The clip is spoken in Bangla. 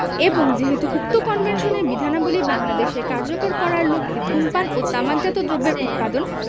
এবং যেহেতু উক্ত কনভেনশনের বিধানাবলী বাংলাদেশে কার্যকর করার লক্ষ্যে ধূমপান ও তামাকজাত দ্রব্যের উৎপাদন